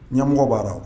Ɲamɔgɔ b'a